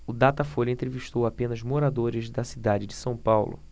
o datafolha entrevistou apenas moradores da cidade de são paulo